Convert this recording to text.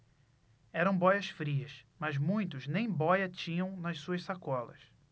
eram bóias-frias mas muitos nem bóia tinham nas suas sacolas